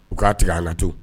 U k'a tigɛ an na to